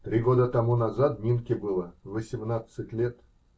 Три года тому назад Нинке было восемнадцать лет.